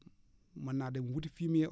mën naa dem wuti fumier